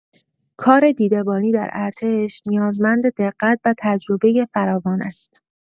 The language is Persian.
کار دیده‌بانی در ارتش نیازمند دقت و تجربه فراوان است.